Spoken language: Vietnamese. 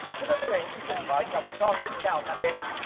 kính thưa quý vị chương trình vợ chồng son xin chào tạm biệt